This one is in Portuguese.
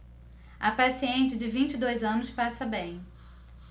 a paciente de vinte e dois anos passa bem